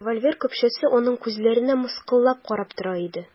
Револьвер көпшәсе аның күзләренә мыскыллап карап тора иде.